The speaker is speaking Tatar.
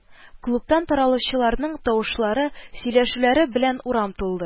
Клубтан таралучыларның тавышлары, сөйләшүләре белән урам тулды